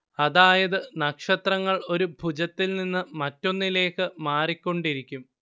അതായത് നക്ഷത്രങ്ങൾ ഒരു ഭുജത്തിൽ നിന്ന് മറ്റൊന്നിലേക്ക് മാറിക്കൊണ്ടിരിക്കും